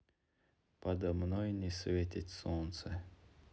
подо мной не светит солнце